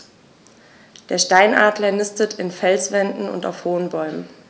Der Steinadler nistet in Felswänden und auf hohen Bäumen.